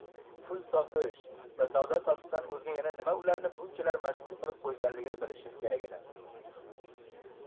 pul topish va savdo sotiqdan o'zga yana nima ularni bunchalar mashg'ul qilib qo'yganligini bilishim kerak edi